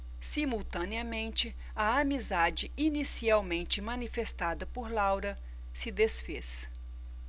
simultaneamente a amizade inicialmente manifestada por laura se disfez